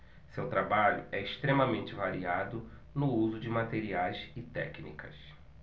seu trabalho é extremamente variado no uso de materiais e técnicas